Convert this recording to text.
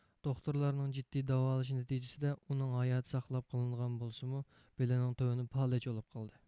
دوختۇرلارنىڭ جىددىي داۋالىشى نەتىجىسىدە ئۇنىڭ ھاياتى ساقلاپ قېلىنغان بولسىمۇ بېلىنىڭ تۆۋىنى پالەچ بولۇپ قالدى